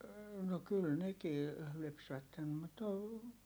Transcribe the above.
no kyllä nekin lypsävät mutta -